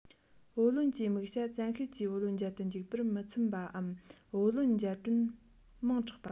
བུ ལོན གྱི དམིགས བྱ བཙན ཤེད ཀྱིས བུ ལོན འཇལ དུ འཇུག པར མི འཚམ པའམ བུ ལོན འཇལ གྲོན མང དྲགས པ